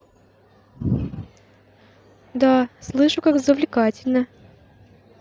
да слышу как завлекательно